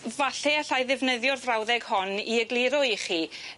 Falle allai ddefnyddio'r frawddeg hon i egluro i chi.